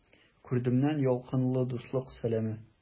Күрдемнән ялкынлы дуслык сәламе!